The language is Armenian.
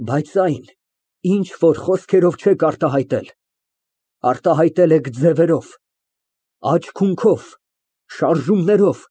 Բայց այն, ինչ որ խոսքերով չեք արտահայտել, արտահայտել եք ձևերով, աչք֊ունքով, շարժումներով։